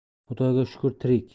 xudoga shukr tirik